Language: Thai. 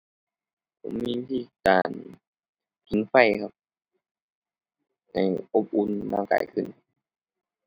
ผมมีวิธีการผิงไฟครับ ให้อบอุ่นร่างกายขึ้น